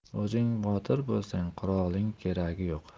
o'zing botir bo'lsang qurolning keragi yo'q